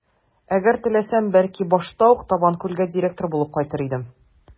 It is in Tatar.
Әгәр теләсәм, бәлки, башта ук Табанкүлгә директор булып кайтыр идем.